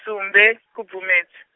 sumbe, Khubvumedzi.